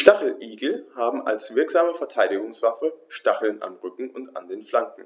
Die Stacheligel haben als wirksame Verteidigungswaffe Stacheln am Rücken und an den Flanken